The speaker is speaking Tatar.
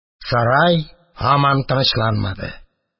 Сарай һаман тынычланмады